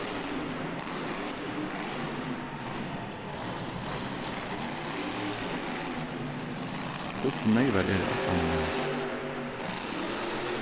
hvussu neyvar eru ætlanirnar